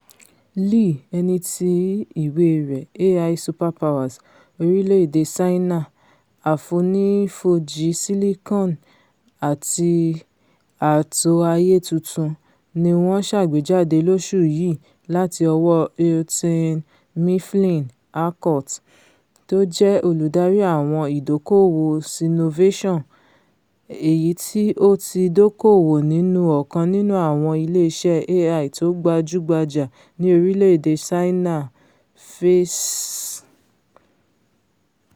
Lee, ẹnití ìwé rẹ̀ ''AI Superpowers”: orílẹ̀-èdè Ṣáínà, Àfonífojì Silikọn àti Ààtò Ayé Tuntun'' ni wọ̀n ṣàgbéjáde lóṣù yìí láti ọwọ́ Houghton Mifflin Harcourt, tójẹ́ Olùdarí Àwọn Ìdókòòwò Sinovàtion, èyití ó ti dókòòwò nínú ọ̀kan nínú àwọn ilé iṣẹ́ AI tó gbajú-gbajà ní orílẹ̀-èdè Ṣáìnà, Face++.